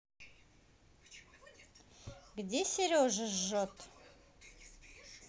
где сережа жжет